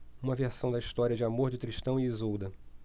uma versão da história de amor de tristão e isolda